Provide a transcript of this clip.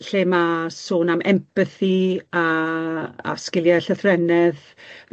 Lle ma' sôn am empathi a a sgilie llythrennedd.